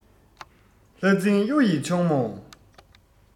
ལྷ རྫིང གཡུ ཡི ཕྱུག མོ